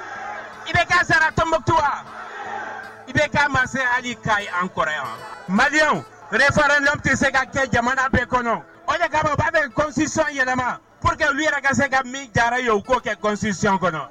I bɛ katomɔtu i bɛ ali k ka an kɔrɔ malirefa tɛ se ka kɛ jamana bɛɛ kɔnɔ ga bɛsi yɛlɛma yɛrɛ ka se ka min jara ye o u k'o kɛ gsisi kɔnɔ